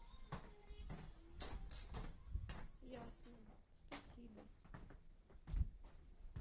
ясно спасибо